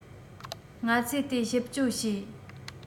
ང ཚོས དེ ཞིབ གཅོད བྱས